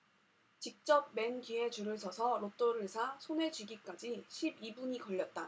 직접 맨 뒤에 줄을 서서 로또를 사 손에 쥐기까지 십 이 분이 걸렸다